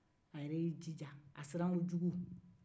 a yɛrɛ y'i jija a siran ko jugu